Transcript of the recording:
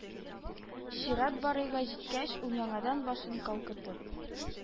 Чират Барыйга җиткәч, ул яңадан башын калкытып